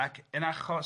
...ac yn achos,